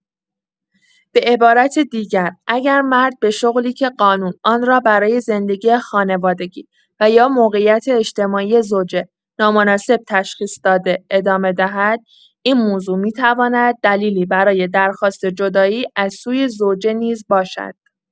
به‌عبارت دیگر، اگر مرد به شغلی که قانون آن را برای زندگی خانوادگی و یا موقعیت اجتماعی زوجه نامناسب تشخیص داده، ادامه دهد، این موضوع می‌تواند دلیلی برای درخواست جدایی از سوی زوجه نیز باشد.